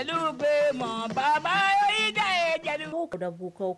Jeliw bɛ yejɛ jabuguko